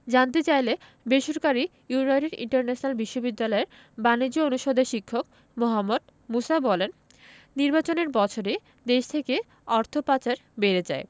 জানতে চাইলে বেসরকারি ইউনাইটেড ইন্টারন্যাশনাল বিশ্ববিদ্যালয়ের বাণিজ্য অনুষদের শিক্ষক মোহাম্মদ মুসা বলেন নির্বাচনের বছরে দেশ থেকে অর্থ পাচার বেড়ে যায়